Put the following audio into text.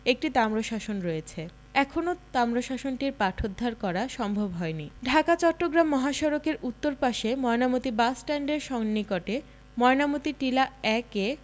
একটি তাম্রশাসন রয়েছে এখনও তাম্রশাসনটির পাঠোদ্ধার করা সম্ভব হয়নি ঢাকা চট্টগ্রাম মহাসড়কের উত্তর পাশে ময়নামতী বাসস্ট্যান্ডের সন্নিকটে ময়নামতী টিলা ১ এ